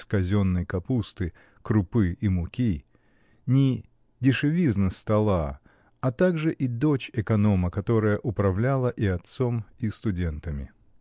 из казенной капусты, крупы и муки, не дешевизна стола, а также и дочь эконома, которая управляла и отцом, и студентами.